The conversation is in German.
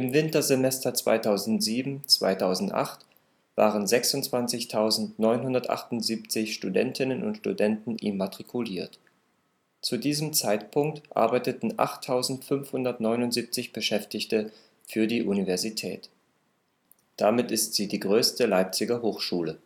Wintersemester 2007/08 waren 26.978 Studentinnen und Studenten immatrikuliert. Zu diesem Zeitpunkt arbeiteten 8.579 Beschäftigte für die Universität. Damit ist sie die größte Leipziger Hochschule